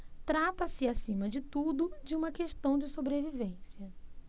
trata-se acima de tudo de uma questão de sobrevivência